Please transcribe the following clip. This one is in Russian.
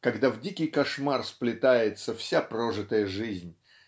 когда в дикий кошмар сплетается вся прожитая жизнь